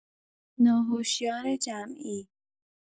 ناهشیار جمعی